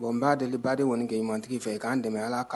Bon n ba deli baden kɔni kɛ i mantigi fɛ ye k' dɛmɛ ala kan